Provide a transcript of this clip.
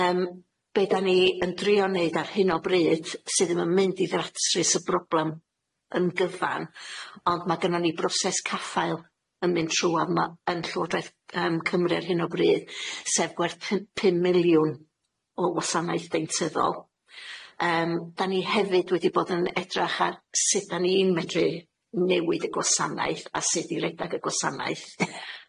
Yym be' da ni yn drio neud ar hyn o bryd sydd ddim yn mynd i ddatrys y broblem yn gyfan ond ma' gynnon ni broses caffael yn mynd trw' a ma' yn Llywodraeth yym Cymru ar hyn o bryd sef gwerth py- pum miliwn o wasanaeth deintyddol yym da ni hefyd wedi bod yn edrach ar sud da ni'n medru newid y gwasanaeth a sud i redag y gwasanaeth.